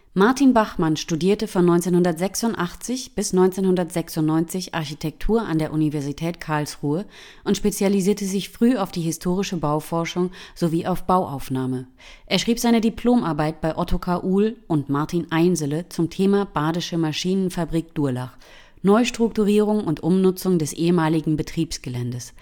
Martin Bachmann studierte von 1986 bis 1996 Architektur an der Universität Karlsruhe und spezialisierte sich früh auf die historische Bauforschung sowie auf Bauaufnahme. Er schrieb seine Diplomarbeit bei Ottokar Uhl und Martin Einsele zum Thema Badische Maschinenfabrik Durlach - Neustrukturierung und Umnutzung des ehemaligen Betriebsgeländes